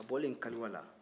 a bɔlen kaluwa la